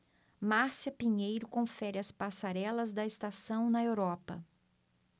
márcia pinheiro confere as passarelas da estação na europa